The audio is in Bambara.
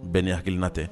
Bɛɛ ni hakilina tɛ?